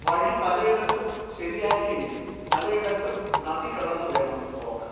വഴി പലയിടത്തും ശരിയാക്കിയെങ്കിലും പലയിടത്തും നദി കടന്നുവേണം പോകാൻ